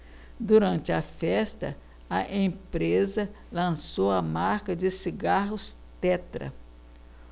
durante a festa a empresa lançou a marca de cigarros tetra